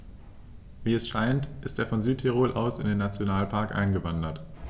Wie es scheint, ist er von Südtirol aus in den Nationalpark eingewandert.